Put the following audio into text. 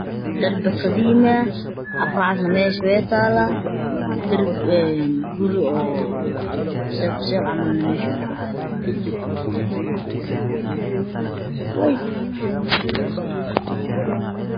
Waa darbi qadiima, meeshana waxaa taalo cagaf cagaf iyo guri cusub oo meesha kuyaalo.